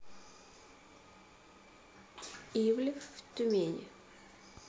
ивлев в тюмени